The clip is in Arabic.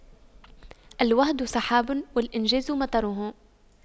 الوعد سحاب والإنجاز مطره